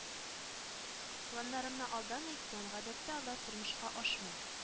Планнарымны алдан әйтсәм, гадәттә, алар тормышка ашмый